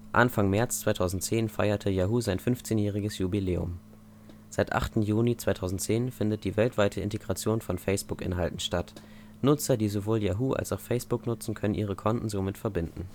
Anfang März 2010 feierte Yahoo sein 15-jähriges Jubiläum. Seit 8. Juni 2010 findet die weltweite Integration von Facebook-Inhalten statt. Nutzer, die sowohl Yahoo als auch Facebook nutzen, können ihre Konten somit verbinden